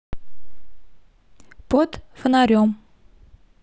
под фонарем